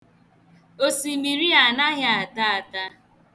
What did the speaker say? Osimiri a anaghị ata ata.